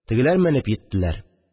Тегеләр менеп йиттеләр